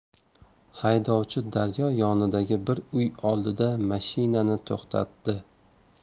haydovchi daryo yonidagi bir uy oldida mashinani to'xtatdi